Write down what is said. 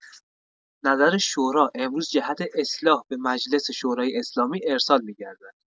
نظر شورا امروز جهت اصلاح به مجلس شورای اسلامی ارسال می‌گردد.